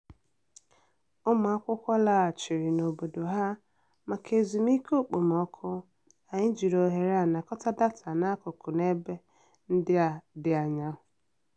Ụmụakwụkwọ laghachịrị n'obodo ha maka ezumike okpomọkụ: anyị jiri ohere a nakọta data na akụkọ n'ebe ndị a dị anya.